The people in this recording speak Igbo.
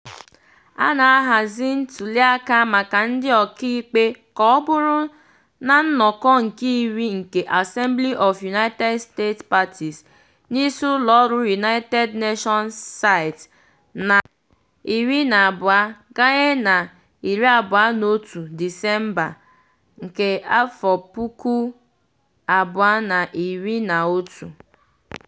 A na-ahazi ntuliaka maka ndị ọkaikpe ka ọ bụrụ na nnọkọ nke iri nke Assembly of United States Parties n'isi ụlọọrụ United Nations site na 12-21 Disemba, 2011.